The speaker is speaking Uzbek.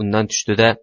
undan tushdi da